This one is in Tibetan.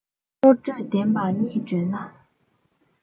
བློ གྲོས ལྡན པ གཉིས བགྲོས ན